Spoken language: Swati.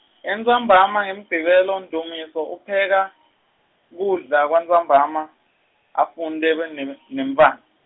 entsambama ngeMgcibelo Ndumiso upheka kudla kwantsambama afunte neme- nemntfwana.